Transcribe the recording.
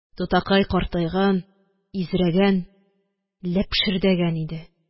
Тутакай картайган, изрәгән, ләпшердәгән иде.